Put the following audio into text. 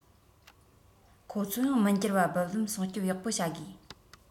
ཁོང ཚོ ཡང མི འགྱུར བ སྦུག ལམ སྲུང སྐྱོང ཡག པོ བྱ དགོས